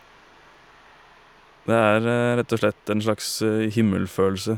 Det er rett og slett en slags himmelfølelse.